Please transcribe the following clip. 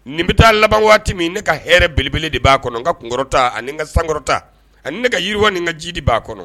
Nin bɛ taa laban waati min ne ka hɛrɛ belebele de b'a kɔnɔ n ka kunkɔrɔta ani n ka sankɔrɔta, ani ne ka yiriwa n'i ka jiidi b'a kɔnɔ.